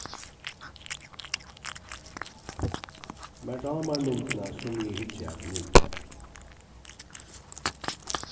mær dámar myndina sum eg hyggi at nú